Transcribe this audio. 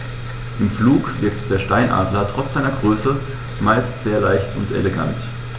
Im Flug wirkt der Steinadler trotz seiner Größe meist sehr leicht und elegant.